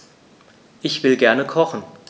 Ich will gerne kochen.